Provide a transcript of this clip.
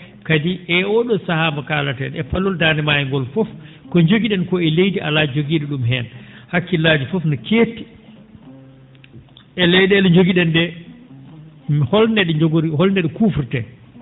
kadi e oo ?oo sahaa mo kaaleten e palol Daande maayo ngol fof ko jogi?en ko e leydi alaa jogii?o ?um heen hakkillaaji fof no keetti e ley?eele jogi?en ?ee hol?e jogori hol?e no ?e kufraten